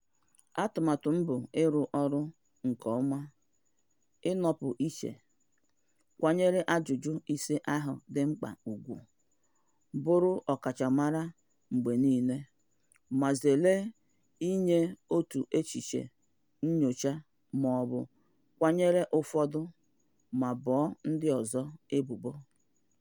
Atụmatụ m bụ ịrụ ọrụ ahụ nke ọma: ịnọpụ iche, kwanyere ajụjụ ise ahụ dị mkpa ùgwù, bụrụ ọkachamara mgbe niile, ma zere inye otu echiche nnyocha maọbụ kwenyere ụfọdụ ma bo ndị ọzọ ebubo.